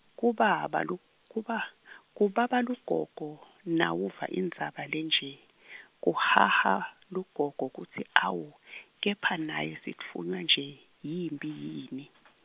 Kubaba, lug- kuba- Kubaba lugogo, nawuva indzaba lenje, kuhaha, lugogo kutsi awu, kepha naye sitfunywa nje, yiMphi yini.